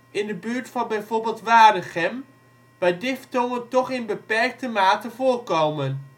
in de buurt van bijvoorbeeld Waregem, waar diftongen toch in beperkte mate voorkomen